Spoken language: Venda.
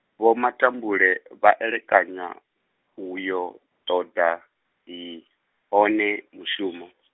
Vho Matambule vha elekanya, uyo, ṱoḓa, i, one mushumo.